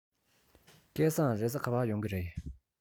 སྐལ བཟང རེས གཟའ ག པར ཡོང གི རེད